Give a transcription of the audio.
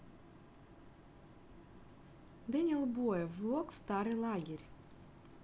daniel boy влог старый лагерь